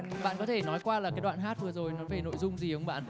bạn có thể nói qua là cái đoạn hát vừa rồi nói về nội dung gì không bạn